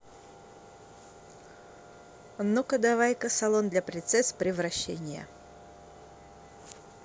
а ну ка давай ка салон для принцесс превращение